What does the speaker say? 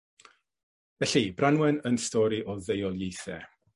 Felly Branwen yn stori o ddeuoliaethe.